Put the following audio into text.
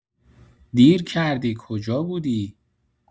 دیر کردی کجا بودی؟